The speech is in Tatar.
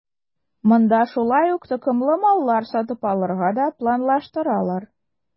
Монда шулай ук токымлы маллар сатып алырга да планлаштыралар.